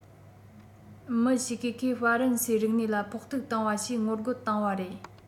མི ཞིག གིས ཁོས ཧྥ རན སིའི རིག གནས ལ ཕོག ཐུག བཏང བ ཞེས ངོ རྒོལ བཏང བ རེད